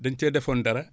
dañ cee defoon dara